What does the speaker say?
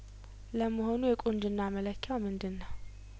ለመሆኑ የቁንጅና መለኪያውምንድነው